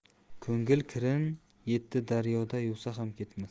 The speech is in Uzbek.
ko'ngil kirin yetti daryoda yuvsa ham ketmas